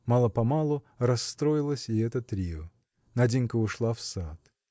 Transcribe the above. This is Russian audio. Мало-помалу расстроилось и это трио. Наденька ушла в сад.